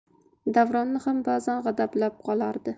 davronni ham bazan g'adablab qolardi